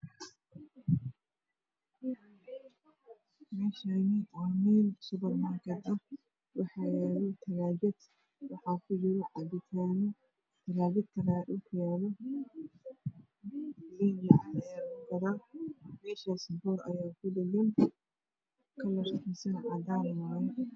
Waa meel suburmarkat ah waxaa yaalo talaajad waxaa kujiro cabitaano. Talaajad kale ayaa kudhagan biyo caafi ayaa kujiro. Meeshaas boor ayaa kudhagan oo cadaan ah.